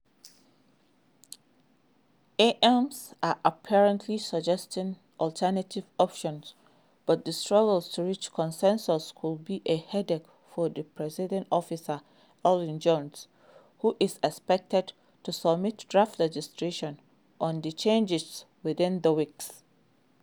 AMs are apparently suggesting alternative options, but the struggle to reach consensus could be a headache for the Presiding Officer, Elin Jones, who is expected to submit draft legislation on the changes within weeks.